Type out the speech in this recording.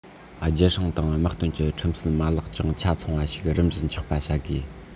རྒྱལ སྲུང དང དམག དོན གྱི ཁྲིམས སྲོལ མ ལག ཅུང ཆ ཚང བ ཞིག རིམ བཞིན ཆགས པ བྱ དགོས